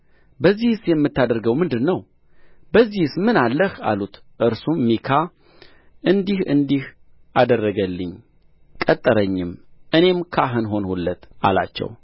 በዚህስ የምታደርገው ምንድር ነው በዚህስ ምን አለህ አሉት እርሱም ሚካ እንዲህ እንዲህ አደረገልኝ ቀጠረኝም እኔም ካህን ሆንሁለት አላቸው